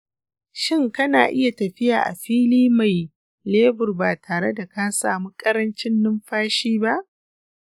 shin kana iya tafiya a fili mai lebur ba tare da ka samu ƙarancin numfashi ba?